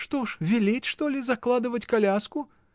— Что ж, велеть, что ли, закладывать коляску?